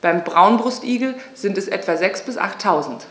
(beim Braunbrustigel sind es etwa sechs- bis achttausend).